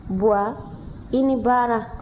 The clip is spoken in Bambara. baba i ni baara